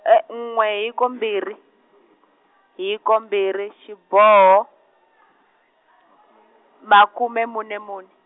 e- n'we hiko mbirhi, hiko mbirhi xiboho, makhume mune mune.